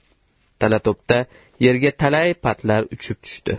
tala to'pda yerga talay patlar uchib tushdi